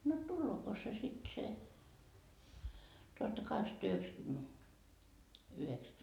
no tuleeko se sitten se tuhattakahdeksansataayhdeksänkymmenen yhdeksän